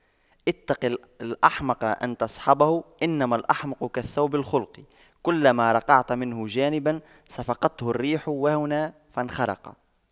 اتق الأحمق أن تصحبه إنما الأحمق كالثوب الخلق كلما رقعت منه جانبا صفقته الريح وهنا فانخرق